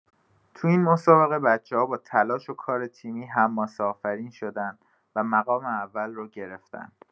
تو این مسابقه بچه‌ها با تلاش و کار تیمی حماسه‌آفرین شدن و مقام اول رو گرفتن.